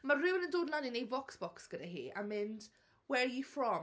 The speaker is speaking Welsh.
Mae rhywun yn dod lan i wneud VoxBox gyda hi a mynd; "where you from?"